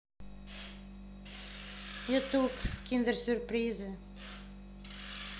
ютуб киндерсюрпризы